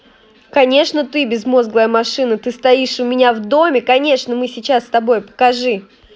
конечно ты безмозглая машина ты стоишь у меня в доме конечно мы сейчас с тобой покажи